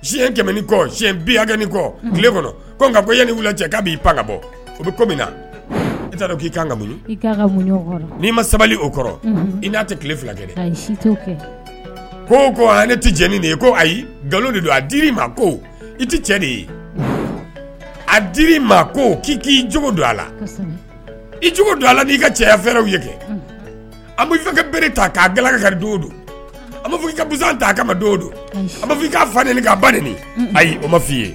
Siyɛn kɛmɛ ni kɔ si biyankɛ ni kɔ tile kɔnɔ ko nka ko yanani wili cɛ' ii pan ka bɔ o bɛ ko min na i t'a dɔn k'i ka kan ka n'i ma sabali o kɔrɔ i n'a tɛ tile fila kɛ ko ko ne tɛ cɛnin de ye ko ayilo de don a di ma ko i tɛ cɛ de ye a di ma ko k'i k'i jugu don a la i don a n'i ka cɛya fɛrɛɛrɛw ye kɛ an bɛ'i ka bere ta k'a ga ka kari don don an fɔ i ka fisa' a ka ma do o don an fɔ i ka fa ka ba ayi o ma f' i